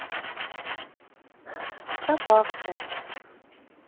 пропавшие